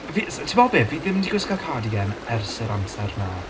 fi... s- timod be? Fi ddim 'di gwisgo cardigan ers yr amser 'na.